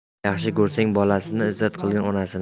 yaxshi ko'rsang bolasin izzat qilgin onasin